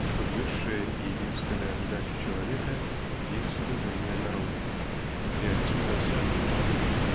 что высшая и единственная задача человека есть служение народу а отсюда в свою очередь